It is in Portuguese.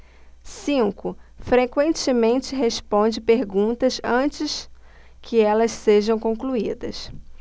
cinco frequentemente responde perguntas antes que elas sejam concluídas